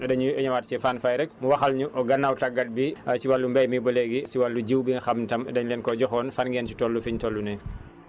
kon dañuy ñëwaat si Fane Faye rek mu waxal ñu gannaaw tàggat bi si wàllu mbéy mi ba léegi si wàllu jiw bi nga xam ne tam dañ leen koo joxoon fan ngeen ci toll fiñ toll nii